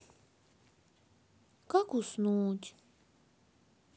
как уснуть